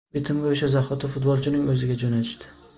bitimni o'sha zahoti futbolchining o'ziga jo'natishdi